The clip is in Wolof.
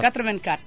84